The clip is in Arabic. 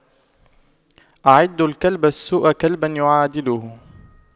أعدّوا لكلب السوء كلبا يعادله